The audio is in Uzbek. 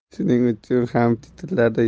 shuning uchun ham titrlarda